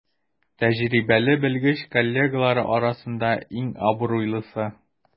Тәҗрибәле белгеч коллегалары арасында иң абруйлысы.